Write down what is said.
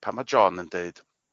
Pan ma' John yn deud